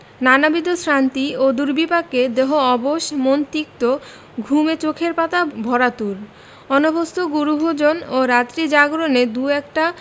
নানাবিধ শ্রান্তি ও দুর্বিপাকে দেহ অবশ মন তিক্ত ঘুমে চোখের পাতা ভরাতুর অনভ্যস্ত গুরু ভোজন ও রাত্রি জাগরণে দু একটা